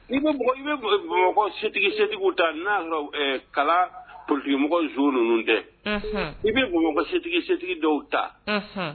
I i bɛ bamakɔ setigi setigiw ta n' ka kala ptigimɔgɔ z ninnu dɛ i bɛ bamakɔ setigi setigi dɔw ta